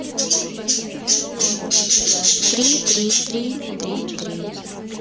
три три три три три